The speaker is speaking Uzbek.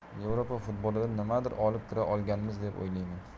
yevropa futbolidan nimadir olib kira olganmiz deb o'ylayman